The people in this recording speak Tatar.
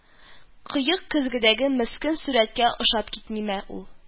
Кыек көзгедәге мескен сүрәткә ошап китмиме ул